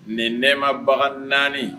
Nin nɛ mabaga naani